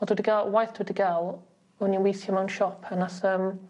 On' dwi 'di ga'l waith dwi wedi ga'l o'n i'n weithio mewn siop a nath yym